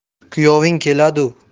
kuyoving keladu